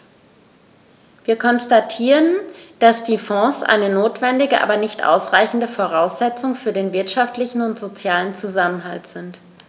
Wir konstatieren, dass die Fonds eine notwendige, aber nicht ausreichende Voraussetzung für den wirtschaftlichen und sozialen Zusammenhalt sind.